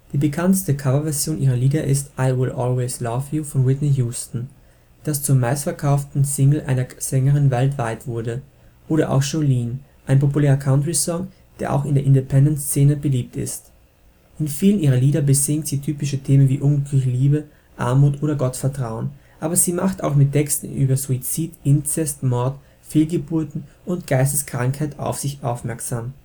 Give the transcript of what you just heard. bekannteste Coverversion ihrer Lieder ist I Will Always Love You von Whitney Houston, das zur meistverkauften Single einer Sängerin weltweit wurde, oder auch Jolene, ein populärer Country-Song, der auch in der Independent-Szene beliebt ist. In vielen ihrer Lieder besingt sie typische Themen wie unglückliche Liebe, Armut oder Gottvertrauen, aber sie macht auch mit Texten über Suizid, Inzest, Mord, Fehlgeburten und Geisteskrankheit auf sich aufmerksam